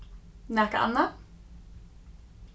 nakað annað